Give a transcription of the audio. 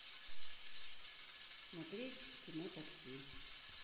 смотреть кино такси